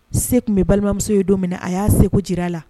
Se tun bɛ balimamuso ye don min a y'a se jira a la